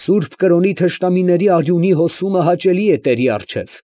Սուրբ կրոնի թշնամիների արյունի հոսումը հաճելի է տերի առջև։